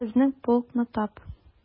Безнең полкны тап...